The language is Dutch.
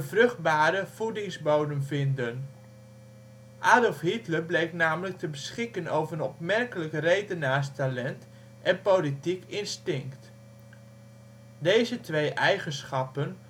vruchtbare voedingsbodem vinden. Adolf Hitler bleek namelijk te beschikken over een opmerkelijk redenaarstalent en politiek instinct. Deze twee eigenschappen